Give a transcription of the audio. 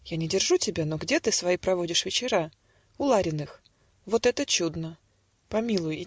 "Я не держу тебя; но где ты Свои проводишь вечера?" - У Лариных. - "Вот это чудно. Помилуй!